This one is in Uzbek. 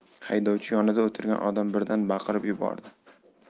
haydovchi yonida o'tirgan odam birdan baqirib yubordi